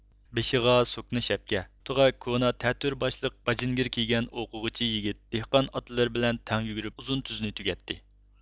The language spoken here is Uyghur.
بېشىغا سوكنا شەپكە پۇتىغا كونا تەتۈر باشلىق باجىنگىر كىيگەن ئوقۇغۇچى يىگىت دېھقان ئاتلىرى بىلەن تەڭ يۈگۈرۈپ ئۇزۇن تۈزنى تۈگەتتى